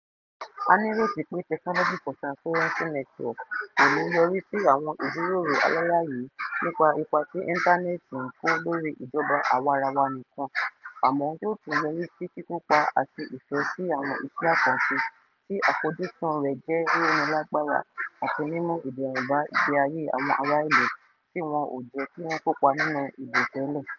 A nírètí pé Technology for Transparency Network ò ní yọrí sí àwọn ìjíròrò alálàyé nípa ipa tí Íńtánẹ́ẹ̀tì ń kó lórí ìjọba àwarawa nìkan, àmọ́ yóò tún yọrí sí kíkópa àti ìfẹ́ sí àwọn iṣẹ́ àkànṣe tí àfojúsùn rẹ̀ jẹ̀ rírónilágbára àti mímú ìdẹ̀rùn bá ìgbé ayé àwọn ará ìlú tí wọn tí wọn ò jẹ́ kí wọn kópa nínú ìbò tẹ́lẹ̀.